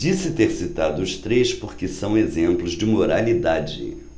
disse ter citado os três porque são exemplos de moralidade